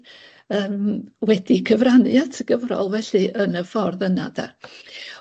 yym wedi cyfrannu at y gyfrol felly yn y ffordd yna de.